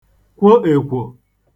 kwo èkwò